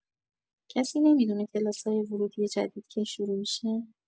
کسی نمی‌دونه کلاس‌های ورودی جدید کی شروع می‌شه؟